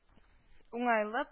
Уңайлы